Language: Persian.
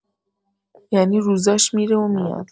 یعنی روزاش می‌ره و میاد.